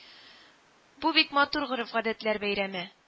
Бу бик матур гореф-гадәтләр бәйрәме